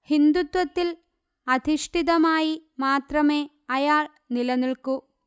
ഹിന്ദുത്വത്തിൽ അധിഷ്ഠിതമായി മാത്രമേ അയാൾ നിലനിൽക്കു